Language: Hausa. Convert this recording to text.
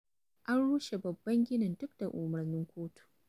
An rushe babban ginin duk da umarnin kotu